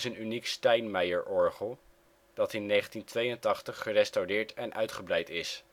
uniek Steinmeyer-orgel dat in 1982 gerestaureerd en uitgebreid is